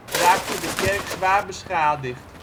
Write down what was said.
raakte de kerk zwaar beschadigd